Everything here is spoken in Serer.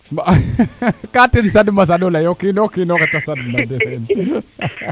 ka ten saɗmo saɗo ley o kino kiin oxe te saɗna